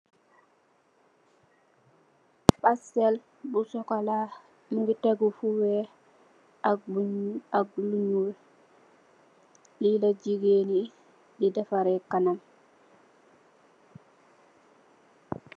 Mastel bu chocola mogi tegu fu weex ak bu nuul ak lu nuul la li jigeen ni defare kanam.